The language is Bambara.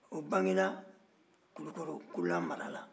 o bangenna kulukoro kula mara la